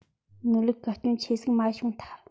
ནོར ལུག ག སྐྱོན ཆེ ཟིག མ བྱུང ཐལ